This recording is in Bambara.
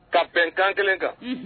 Ka bɛnkan kelen kan